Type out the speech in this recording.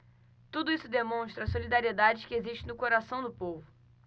tudo isso demonstra a solidariedade que existe no coração do povo